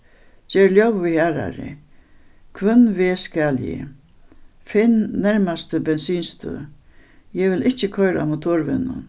ger ljóðið harðari hvønn veg skal eg finn nærmastu bensinstøð eg vil ikki koyra á motorvegnum